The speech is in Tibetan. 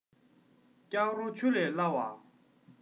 སྐྱག རོ ཆུ ལས སླ བ